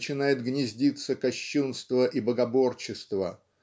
начинает гнездиться кощунство и богоборчество